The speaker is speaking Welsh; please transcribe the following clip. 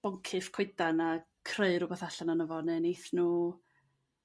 boncyff coedan a creu r'wbath allan o'no fo, ne' neith nhw